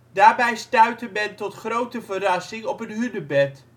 Daarbij stuitte men tot grote verrassing op een hunebed